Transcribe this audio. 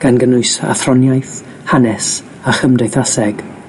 gan gynnwys athroniaeth, hanes a chymdeithaseg.